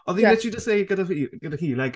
Oedd e literally jyst deud gyda rhi- gyda hi, like...